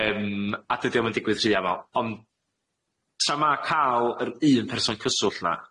Yym a dydi o'm yn digwydd rhy amal, ond tra ma' ca'l yr un person cyswllt 'na,